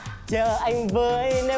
chờ anh với